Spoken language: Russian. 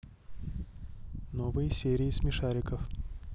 новые серии смешариков